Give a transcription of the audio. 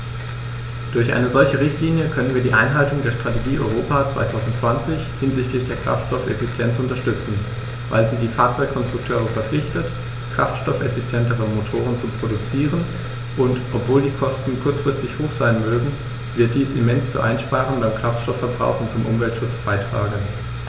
Durch eine solche Richtlinie können wir die Einhaltung der Strategie Europa 2020 hinsichtlich der Kraftstoffeffizienz unterstützen, weil sie die Fahrzeugkonstrukteure verpflichtet, kraftstoffeffizientere Motoren zu produzieren, und obwohl die Kosten kurzfristig hoch sein mögen, wird dies immens zu Einsparungen beim Kraftstoffverbrauch und zum Umweltschutz beitragen.